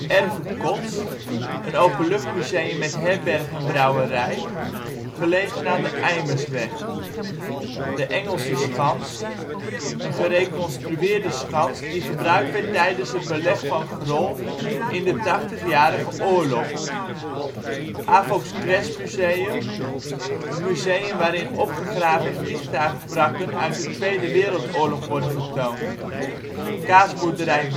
Erve Kots; Openluchtmuseum met herberg en brouwerij, gelegen aan de Eimersweg. Engelse Schans; gereconstrueerde schans die gebruikt werd tijdens het Beleg van Grol in de Tachtigjarige Oorlog. Avog 's Crash Museum; Museum waarin opgegraven vliegtuigwrakken uit de Tweede Wereldoorlog worden getoond. Kaasboerderij Weenink; kaasboerderij